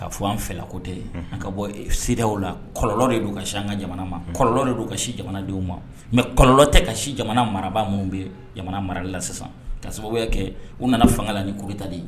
Ka fɔ an fɛlakotɛ yen ka bɔ siraw la kɔlɔlɔnlɔ de don ka si an ka jamana ma kɔ kɔlɔlɔnlɔ de don ka si jamanadenw ma mɛ kɔlɔlɔnlɔ tɛ ka si jamana maraba minnu bɛ jamana mara la sisan ka sababu kɛ u nana fanga la kobita de ye